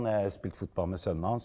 jeg har spilt fotball med sønnen hans.